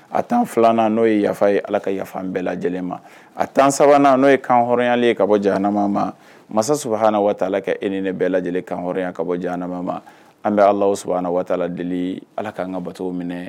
A tan filanan n'o ye yafa ye ala ka yafa bɛɛ lajɛlen ma a tan sabanan n'o ye kan hɔrɔnyalen ye ka bɔ jananama ma mansa sɔrɔ na waala ka e ni ne bɛɛ lajɛlen kan hɔrɔnya ka bɔ jananama ma an bɛ ala sɔrɔ deli ala k'an ka bato minɛ